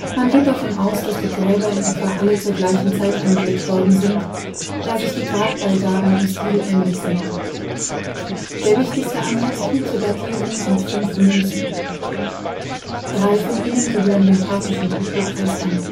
Man geht davon aus, dass die Gräber in etwa alle zur gleichen Zeit angelegt worden sind, da sich die Grabbeigaben im Stil ähnlich sind. Der wichtigste Anhaltungspunkt zur Datierung sind fünf Münzen. Drei von ihnen gehören dem parthischen Kulturkreis an